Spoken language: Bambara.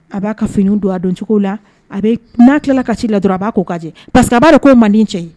A b'a ka fini don a dɔncogo la a bɛ n'a tilala ka ci la dɔrɔn a b'a ka pa queseke a'a de ko mande cɛ ye